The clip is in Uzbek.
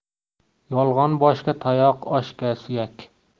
yolg'on boshga tayoq oshga suyak